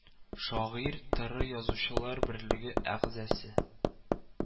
Шагыйрь, ТэРэ Язучылар берлеге әгъзасы